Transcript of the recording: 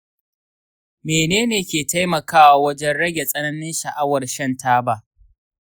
menene ke taimakawa wajen rage tsananin sha'awar shan taba?